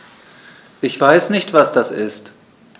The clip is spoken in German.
Ich weiß nicht, was das ist.